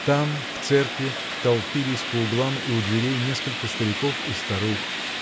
Там в церкви толпилось по углам и у дверей несколько стариков и старух.